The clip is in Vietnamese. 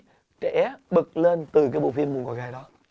trẻ bật lên từ cái bộ phim mùi ngò gai đó